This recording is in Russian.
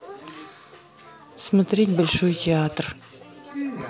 смотреть большой театр